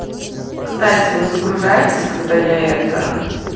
кстати вы загружаетесь когда я это